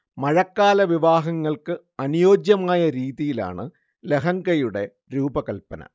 മഴക്കാല വിവാഹങ്ങൾക്ക് അനുയോജ്യമായ രീതിയിലാണ് ലഹങ്കയുടെ രൂപകല്പന